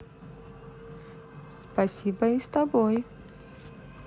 спасибои с тобой